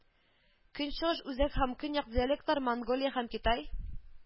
Көнчыгыш, үзәк һәм көньяк диалектлар монголия һәм китай